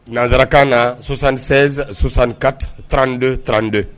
Nanzsarak na sonsan2sesanka trante trante